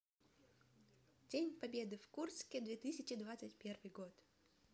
день победы в курске две тысячи двадцать первый год